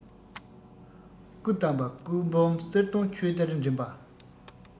སྐུ གཏམས པ སྐུ འབུམ གསེར སྡོང ཆོས སྡེར འགྲིམས པ